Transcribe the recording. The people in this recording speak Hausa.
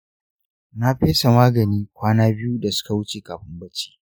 na pesa magani kwana biyu da suka wuce kafin bacci.